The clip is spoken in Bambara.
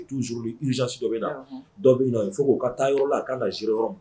U' u s su dɔ bɛ na dɔ bɛ fo k' ka taa yɔrɔ la a ka na s yɔrɔ